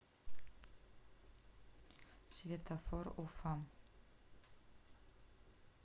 светофор уфа